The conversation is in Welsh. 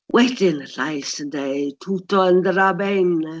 Wedyn y llais ynde, "tutto andrà bene".